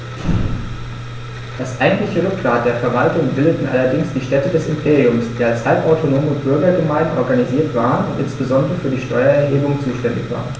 Das eigentliche Rückgrat der Verwaltung bildeten allerdings die Städte des Imperiums, die als halbautonome Bürgergemeinden organisiert waren und insbesondere für die Steuererhebung zuständig waren.